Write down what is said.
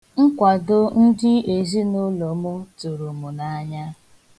Nkwado ndị ezinụụlọ mụ tụrụ mụ n'anya.